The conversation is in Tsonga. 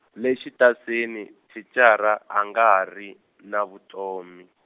le xitasini thicara a nga ha ri na vutomi.